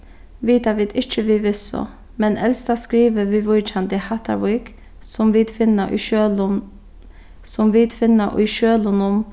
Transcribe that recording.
vita vit ikki við vissu men elsta skrivið viðvíkjandi hattarvík sum vit finna í skjølum sum vit finna í skjølunum